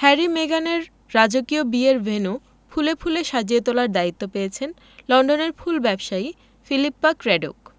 Harry মেগানের রাজকীয় বিয়ের ভেন্যু ফুলে ফুলে সাজিয়ে তোলার দায়িত্ব পেয়েছেন লন্ডনের ফুল ব্যবসায়ী ফিলিপ্পা ক্র্যাডোক